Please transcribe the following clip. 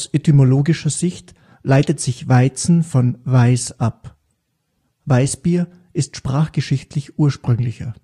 etymologischer Sicht leitet sich „ Weizen “von „ weiß “ab: „ Weißbier “ist sprachgeschichtlich ursprünglicher